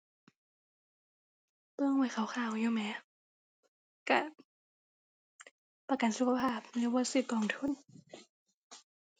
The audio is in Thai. เบิ่งไว้คร่าวคร่าวอยู่แหม ก็ประกันสุขภาพหรือบ่ซื้อกองทุน